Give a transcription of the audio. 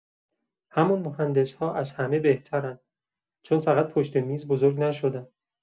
همون مهندس‌ها از همه بهترن، چون فقط پشت میز بزرگ نشدن.